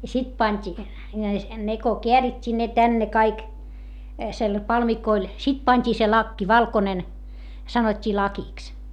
ja sitten pantiin ne kun käärittiin ne tänne kaikki - palmikoille sitten pantiin se lakki valkoinen sanottiin lakiksi